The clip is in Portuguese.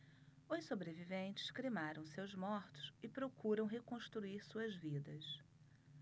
os sobreviventes cremaram seus mortos e procuram reconstruir suas vidas